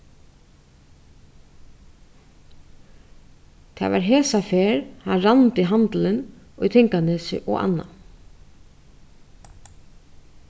tað var hesaferð hann rændi handilin í tinganesi og annað